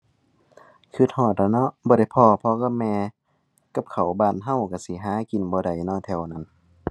คิดฮอดแหล้วเนาะ บ่ได้พ้อพ่อกับแม่ กับข้าวบ้านคิดคิดสิหากินบ่ได้เนาะแถวนั้น